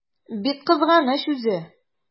Бик кызганыч үзе!